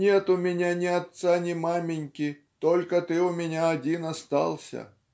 Нет у меня ни отца, ни маменьки, только ты у меня один остался".